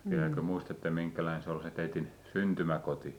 vieläkö muistatte minkälainen se oli se teidän syntymäkoti